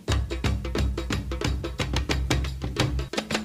Sanunɛ yo